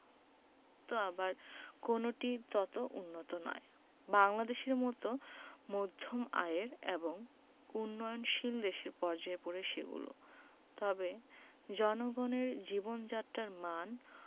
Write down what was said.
আবার কোনো কোনোটি তত উন্নত নয় বাংলাদেশের মতো মধ্যম আয়ের এবং উন্নয়নশীল দেশের পর্যায়ে পড়ে সেগুলো তবে জনগণের জীবনযাত্রার মান